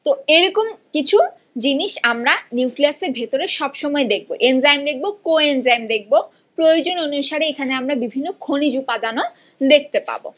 তো এরকম কিছু জিনিস আমরা নিউক্লিয়াসের ভেতরে সব সময় দেখব এনজাইম দেখব কো এনজাইম দেখব প্রয়োজন অনুসারে আমরা এখানে বিভিন্ন খনিজ উপাদানও দেখতে পাবো